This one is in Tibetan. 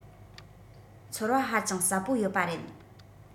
ཚོར བ ཧ ཅང ཟབ པོ ཡོད པ རེད